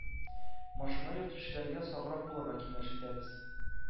Машина йөртүчеләргә саграк булырга киңәш итәбез,